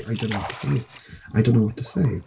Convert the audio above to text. I don't know what to say, I don't know what to say.